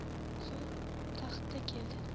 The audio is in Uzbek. so'ng taxta keldi